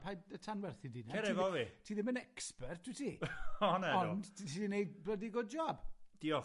Paid tanwerthu dy unan... Cer hefo fi. ...ti ddi- ti ddim yn expert wyt ti? O nadw. Ond ti 'di neud blydi good job. Diolch...